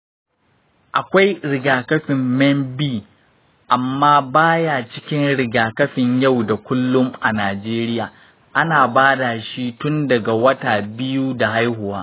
akwai rigakafin menb, amma ba ya cikin rigakafin yau da kullum a najeriya. ana ba da shi tun daga wata biyu da haihuwa.